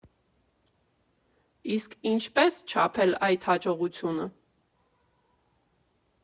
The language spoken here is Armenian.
Իսկ ինչպե՞ս չափել այդ հաջողությունը։